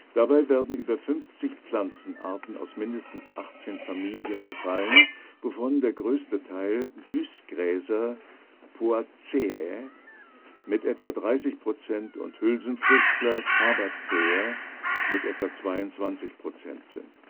Dabei werden über 50 Pflanzenarten aus mindestens 18 Familien befallen, wovon der größte Teil Süßgräser (Poaceae) mit etwa 30 Prozent und Hülsenfrüchtler (Fabaceae) mit etwa 22 Prozent sind